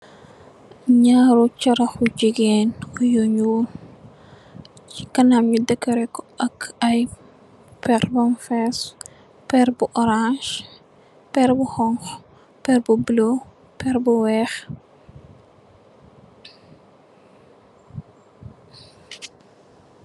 Ñaaru charah jigéen yu ñuul ci kanam nu decorè ko ak ay perr bam fèss. Perr bi orance, perr bi honku, perr bu bulo, perr bi weeh.